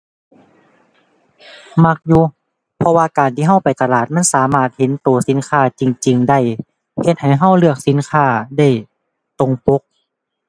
มักอยู่ เพราะว่าการที่เราไปตลาด มันสามารถเห็นเราสินค้าจริงจริงได้ เฮ็ดให้เราเลือกสินค้าได้ตรงปก